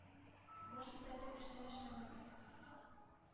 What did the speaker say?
Баш бетәрлек эш тә эшләмәде...